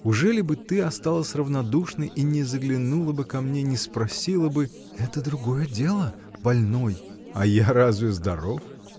Ужели бы ты осталась равнодушной и не заглянула бы ко мне, не спросила бы. — Это другое дело: больной. — А я разве здоров?